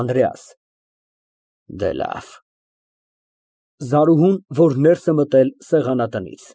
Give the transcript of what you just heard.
ԱՆԴՐԵԱՍ ֊ Դե լավ։ (Զարուհուն, որ ներս է մտել սեղանատնից)։